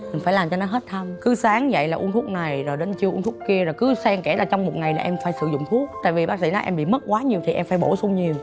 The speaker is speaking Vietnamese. mình phải làm cho nó hết thâm cứ sáng dậy là uống thuốc này rồi đến trưa uống thuốc kia rồi cứ xen kẽ là trong một ngày là em phải sử dụng thuốc tại vì bác sĩ nói em bị mất quá nhiều thì em phải bổ sung nhiều